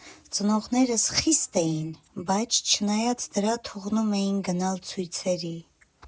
Ծնողներս խիստ էին, բայց, չնայած դրա, թողնում էին գնալ ցույցերի։